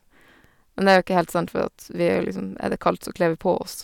Men det er jo ikke helt sant, for at vi er jo liksom er det kaldt så kler vi på oss.